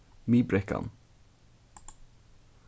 miðbrekkan